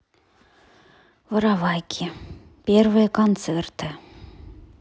воровайки первые концерты